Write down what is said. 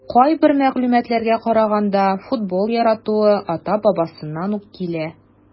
Кайбер мәгълүматларга караганда, футбол яратуы ата-бабасыннан ук килә.